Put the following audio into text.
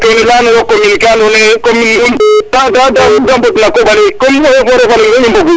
kene nu leyano yo commune ka ando naye da mbod na koɓale comme eaux et foret fa leŋ rek i mbogu